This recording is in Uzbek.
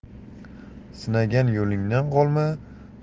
sinagan yo'lingdan qolma